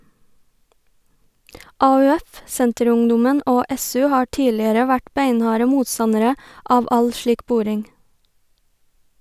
AUF, Senterungdommen og SU har tidligere vært beinharde motstandere av all slik boring.